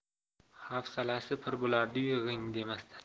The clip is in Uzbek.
hafsalasi pir bo'lardiyu g'ing demasdan